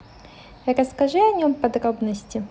расскажи о нем подробности